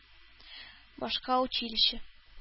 Башка училище